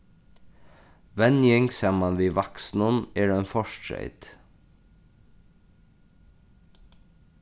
venjing saman við vaksnum er ein fortreyt